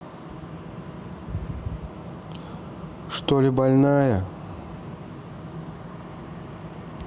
что ли больная